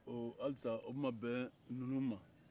ɔ hali sisan o ma bɛn ninnu ma